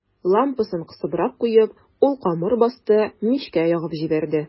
Лампасын кысыбрак куеп, ул камыр басты, мичкә ягып җибәрде.